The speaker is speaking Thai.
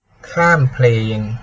ข้ามเพลง